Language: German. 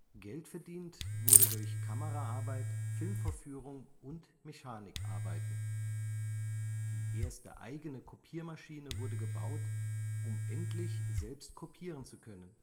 Geld verdient wurde durch Kameraarbeit, Filmvorführung und Mechanikarbeiten. Die erste eigene Kopiermaschine wurde gebaut, um endlich selbst kopieren zu können